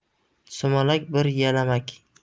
sumalak bir yalamak